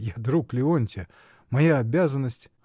я друг Леонтья, моя обязанность.